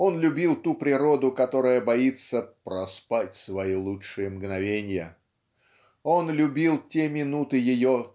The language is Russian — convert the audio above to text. он любил ту природу, которая боится "проспать свои лучшие мгновенья" он любил те минуты ее